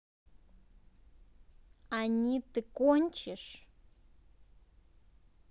они ты кончишь